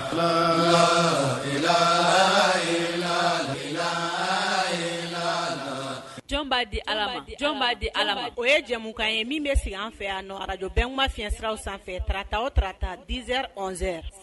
'a di jɔn'a di ala o ye jamumukan ye min bɛ sigi an fɛ a arajbɛn ma fisiraw sanfɛ tata o tata diz z